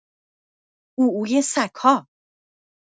عوعوی سگ‌ها